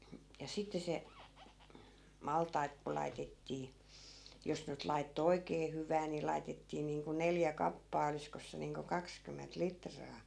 ja sitten se maltaita kun laitettiin jos nyt laittoi oikein hyvää niin laitettiin niin kuin neljä kappaa olisikos se niin kuin kaksikymmentä litraa